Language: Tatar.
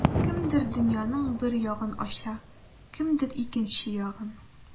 Кемдер дөньяның бер ягын ача, кемдер икенче ягын.